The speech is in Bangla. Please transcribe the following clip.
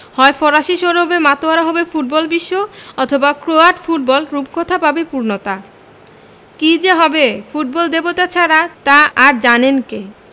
হয় ফরাসি সৌরভে মাতোয়ারা হবে ফুটবলবিশ্ব অথবা ক্রোয়াট ফুটবল রূপকথা পাবে পূর্ণতা কী যে হবে ফুটবল দেবতা ছাড়া তা আর জানেন কে